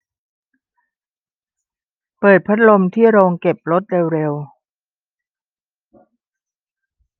เปิดพัดลมที่โรงเก็บรถเร็วเร็ว